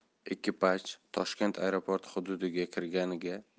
ekipaj toshkent aeroporti hududiga kirganida